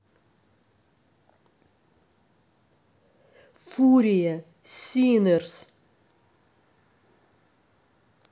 фурия sinners